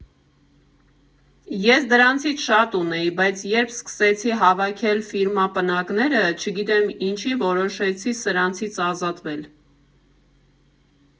Ես դրանցից շատ ունեի, բայց երբ սկսեցի հավաքել ֆիրմա պնակները, չգիտեմ ինչի որոշեցի սրանցից ազատվել։